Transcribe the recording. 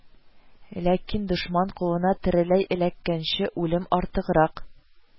Ләкин дошман кулына тереләй эләккәнче, үлем артыграк